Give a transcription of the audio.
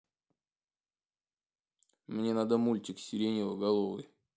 мне надо мультик сиреноголовый